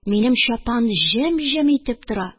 Минем чапан җем-җем итеп тора